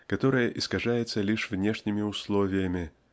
которая искажается лишь внешними условиями